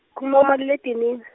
-khuluma kumaliledinini.